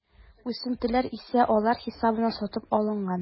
Үсентеләр исә алар хисабына сатып алынган.